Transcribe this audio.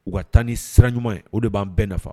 U ka taa ni sira ɲuman ye o de ban bɛɛ nafa.